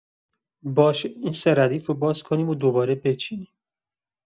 باشه، این سه ردیف رو باز کنیم و دوباره بچینیم.